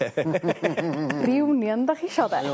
Reunion 'dach chi isio 'de.